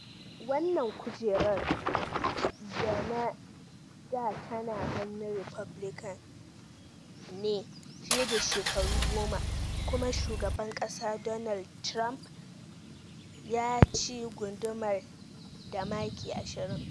Wannan kujerar da tana hannun Republican ne fiye da shekaru goma, kuma shugaban kasa Donald Trump ya ci gundumar da maki 20.